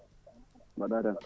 mbaɗɗa e tampere